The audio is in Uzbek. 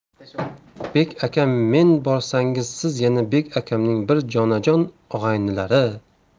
bek akam men borsangiz siz yana bek akamning bir jonajon og'aynilari